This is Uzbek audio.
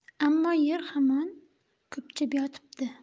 ammo yer hamon ko'pchib yotibdi